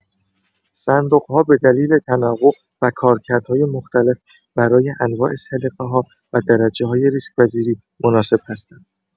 صندوق‌ها به دلیل تنوع و کارکردهای مختلف، برای انواع سلیقه‌ها و درجه‌های ریسک‌پذیری مناسب هستند.